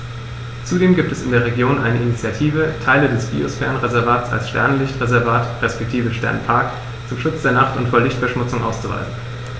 Zudem gibt es in der Region eine Initiative, Teile des Biosphärenreservats als Sternenlicht-Reservat respektive Sternenpark zum Schutz der Nacht und vor Lichtverschmutzung auszuweisen.